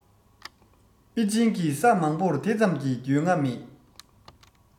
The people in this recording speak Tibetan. པེ ཅིང གི ས མང པོར དེ ཙམ གྱི རྒྱུས མངའ མེད